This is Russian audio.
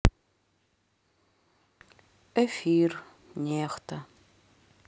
эфир нехта